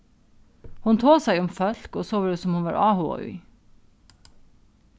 hon tosaði um fólk og sovorðið sum hon var áhugað í